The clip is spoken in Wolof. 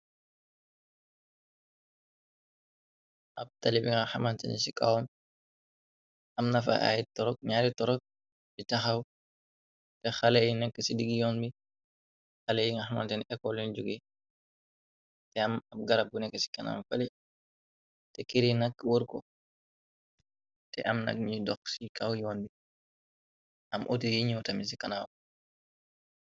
Ab talibi nga xamanteni ci cawm am, nafa ay torog ñaari torok, bi taxaw te xale yi nekk ci digg yoon bi, xale yi nga xamanteni ecol u jóge, te am ab garab bu nekk ci kanaaw fale, te kiri nak wër ko, te am nak ñuy dox ci kaw yoon bi, am oute yi ñoo tami ci kanaaw.